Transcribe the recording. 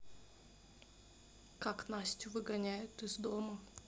как настю выгоняют из дома